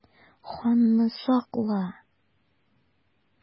Ханны сакла!